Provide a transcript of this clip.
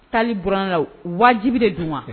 Taali blaw wajibibi de don wa